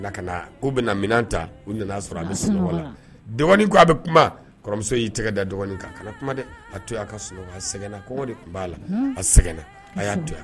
Bɛ ta u bɛ dɔgɔnin ko a bɛ kumamuso y'i tɛgɛ da dɔgɔnin kan kuma a to agɔ la a sɛgɛn a'a to